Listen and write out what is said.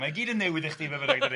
Mae gyd yn newydd i chdi,